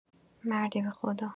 مردی بخدا